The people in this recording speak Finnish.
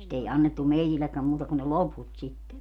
sitä ei annettu meillekään muuta kuin ne loput sitten